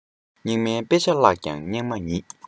སྙིགས མའི དཔེ ཆ བཀླགས ཀྱང སྙིགས མ ཉིད